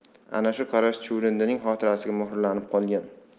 ana shu qarash chuvrindining xotirasiga muhrlanib qolgan